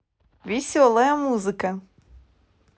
веселая музыка